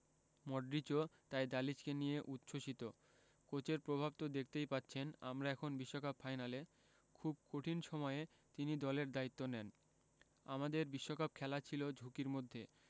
মডরিচও তাই দালিচকে নিয়ে উচ্ছ্বসিত কোচের প্র্রভাব তো দেখতেই পাচ্ছেন আমরা এখন বিশ্বকাপ ফাইনালে খুব কঠিন সময়ে তিনি দলের দায়িত্ব নেন আমাদের বিশ্বকাপ খেলা ছিল ঝুঁকির মধ্যে